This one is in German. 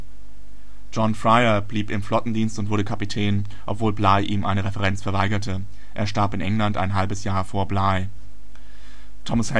John Fryer blieb im Flottendienst und wurde Kapitän, obwohl Bligh ihm eine Referenz verweigerte. Er starb in England, ein halbes Jahr vor Bligh. Thomas